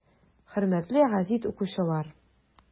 Хөрмәтле гәзит укучылар!